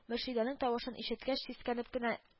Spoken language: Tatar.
Мөршидәнең тавышын ишеткәч, сискәнеп кенә